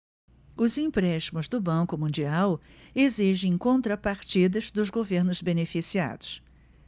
os empréstimos do banco mundial exigem contrapartidas dos governos beneficiados